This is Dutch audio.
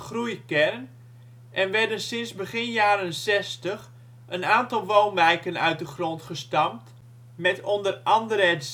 groeikern en werden sinds begin jaren zestig een aantal woonwijken uit de grond gestampt, met onder andere het